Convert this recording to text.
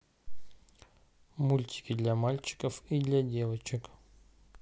мультики для мальчиков и для девочек